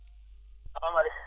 salamu aleyka